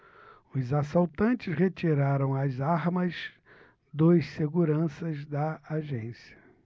os assaltantes retiraram as armas dos seguranças da agência